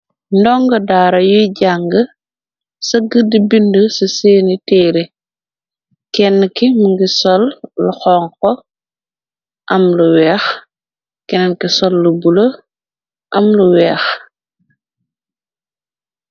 Ndongo daara yuy jang sëgg di bind ci seeni téere kenn ki mungi sol lu xon ko am lu weex kennn ki sol lu bula am lu weex.